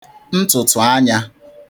ntụ̀tụ̀anya